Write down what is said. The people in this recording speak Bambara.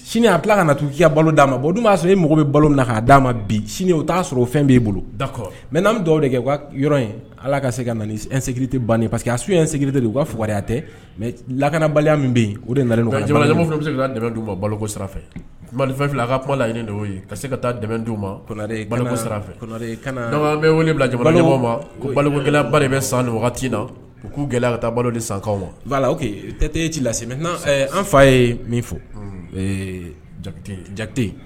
Sini a tila ka na tuya balo'a ma bon dun b'a sɔrɔ ni mɔgɔ bɛ balo na k' d'a ma bi sini o t'a sɔrɔ o fɛn b'i bolo da mɛ dɔw de kɛ ka yɔrɔ in ala ka se ka na tɛ ban pa que a su in tɛ de u ka fugya tɛ mɛ lakanabaliya min bɛ yen o de bɛ ka bɔ balo sira bali fɛn fila a ka kumalaɲini ye ka se ka taa ma bɛ ma bɛ san wagati na u k'u gɛlɛ ka taa balo de sankaw ma'a la tɛ e ci lase mɛ an fa ye min fɔ jatete